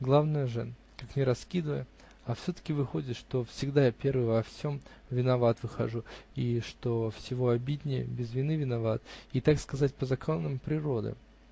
Главное же, как ни раскидывай, а все-таки выходит, что всегда я первый во всем виноват выхожу и, что всего обиднее, без вины виноват и, так сказать, по законам природы.